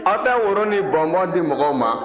aw tɛ woro ni bɔnbɔn di mɔgɔw ma